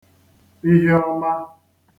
iheọma